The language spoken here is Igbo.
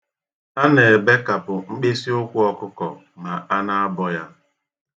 A na-ebekapụ mkpịsịụkwụ ọkụkọ ma a na-abọ ya.